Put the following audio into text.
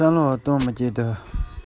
ལི ལི ཞེས ང ཚོར བོས